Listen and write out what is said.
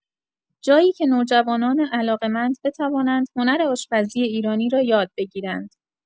جایی که نوجوانان علاقه‌مند بتوانند هنر آشپزی ایرانی را یاد بگیرند.